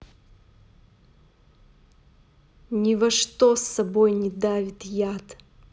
ни во что с собой не давит яд